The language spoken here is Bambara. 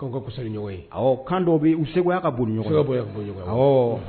Kɔsɛbɛ ɲɔgɔn ye kan dɔw bɛ u segu ka